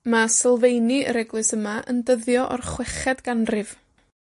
Ma' sylfaeni yr eglwys yma yn dyddio o'r chweched ganrif.